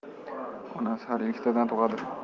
onasi har yili ikkitadan tug'adi